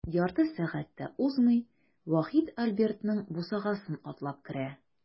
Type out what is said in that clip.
Ярты сәгать тә узмый, Вахит Альбертның бусагасын атлап керә.